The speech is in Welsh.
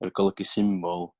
yr golygu syml